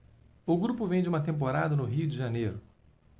o grupo vem de uma temporada no rio de janeiro